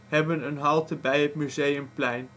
hebben een halte bij het Museumplein